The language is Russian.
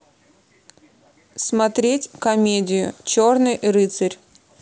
смотреть комедию черный рыцарь